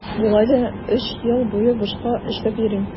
Болай да өч ел буе бушка эшләп йөрим.